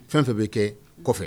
Fɛn fɛ bɛ kɛ kɔfɛ